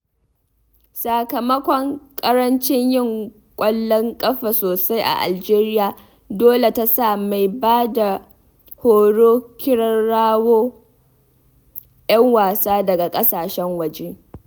Sakamakon ƙarancin yin ƙwallon ƙafa sosai a Algeria, dole ta sa mai ba da horo kirawo 'yan wasa daga ƙasashen waje